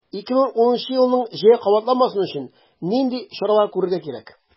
2010 елның җәе кабатланмасын өчен нинди чаралар күрергә кирәк?